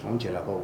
Anw cɛlakaw